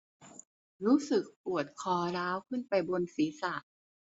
รู้สึกปวดคอร้าวขึ้นไปบนศีรษะ